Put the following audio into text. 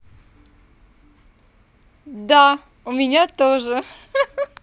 да у меня тоже